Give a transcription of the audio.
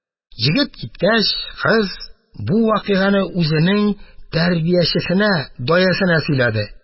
Егет киткәч, кыз бу вакыйганы үзенең тәрбиячесенә - даясенә сөйләде.